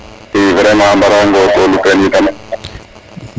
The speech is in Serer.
vraiment a mbara ngorngorlu kene itam